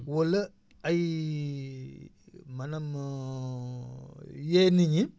wala ay maanaam yee nit ñi